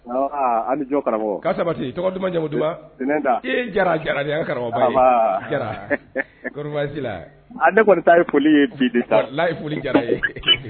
Awɔ, ani jɔ karamɔgɔ. K'an sabati, tɔgɔ duman, jamu duman? Sininta. Ee, Jara, Jara an karamɔgɔ. An baa! Jara. Kɔnni basi t'i la? Ne kɔnni ta ye foli ye bi de sa. Walayi fɔli jara an ye. .